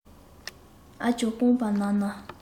ཨ སྐྱོ རྐང པ ན ན